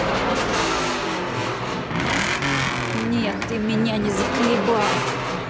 нет ты меня не заколебал